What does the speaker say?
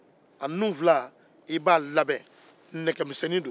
i b'a nunfila labɛn nɛgɛ misɛnnin don